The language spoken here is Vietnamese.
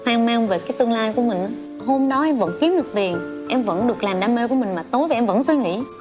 hoang mang về cái tương lai của mình hôm đó em vẫn kiếm được tiền em vẫn được làm đam mê của mình mà tối về em vẫn suy nghĩ